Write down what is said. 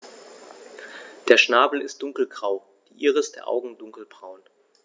Der Schnabel ist dunkelgrau, die Iris der Augen dunkelbraun.